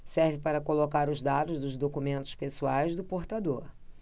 serve para colocar os dados dos documentos pessoais do portador